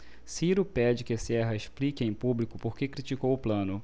ciro pede que serra explique em público por que criticou plano